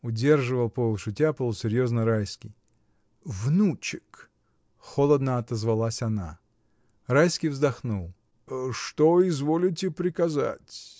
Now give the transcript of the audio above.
— удерживал полушутя-полусерьезно Райский. — Внучек! — холодно отозвалась она. Райский вздохнул. — Что изволите приказать?